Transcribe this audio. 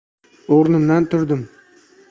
o'rnimdan turdim